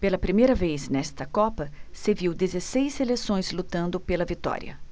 pela primeira vez nesta copa se viu dezesseis seleções lutando pela vitória